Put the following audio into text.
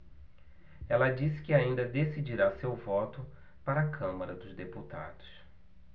ela disse que ainda decidirá seu voto para a câmara dos deputados